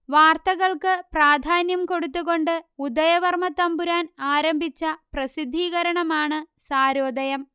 വാർത്തകൾക്ക് പ്രാധാന്യം കൊടുത്തുകൊണ്ട് ഉദയവർമ്മത്തമ്പുരാൻ ആരംഭിച്ച പ്രസിദ്ധീകരണമാണ് സാരോദയം